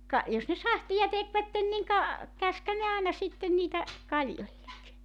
ka jos ne sahtia tekivät niin ka käskihän ne aina sitten niitä kaljoille